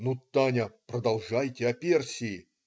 "Ну, Таня, продолжайте о Персии.